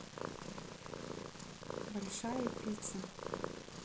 большая пицца